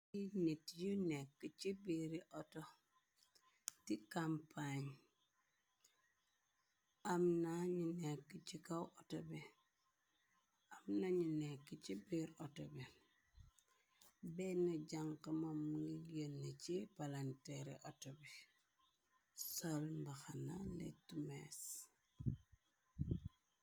Nit yu nekk ci biiri auto di kampaañ kaw auto am nañu nekk ci biir autobé. Benn jànka maom ngi yëlna ci palanteeri auto bi sal mbaxana letu mees.